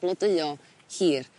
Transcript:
blodeuo hir